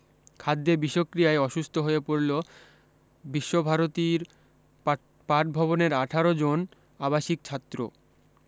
খাদ্যে বিষক্রিয়ায় অসুস্থ হয়ে পড়লো বিশ্বভারতীর পাঠভবনের আঠারো জন আবাসিক ছাত্র